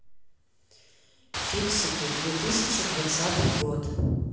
фиксики две тысячи двадцатый год